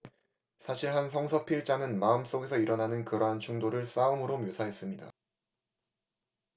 사실 한 성서 필자는 마음속에서 일어나는 그러한 충돌을 싸움으로 묘사했습니다